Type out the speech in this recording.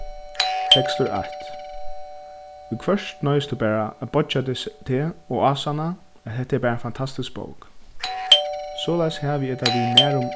tekstur eitt viðhvørt noyðist tú bara at boyggja teg og ásanna at hetta er bara ein fantastisk bók soleiðis havi eg tað við nærum